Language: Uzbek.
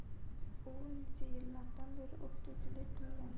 u necha yillardan beri o'qituvchilik qilgan